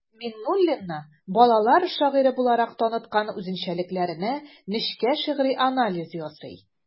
Миңнуллинны балалар шагыйре буларак таныткан үзенчәлекләренә нечкә шигъри анализ ясый.